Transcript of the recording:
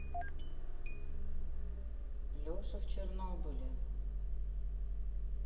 леша в чернобыле